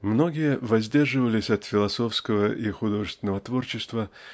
Многие воздерживались от философского и художественного творчества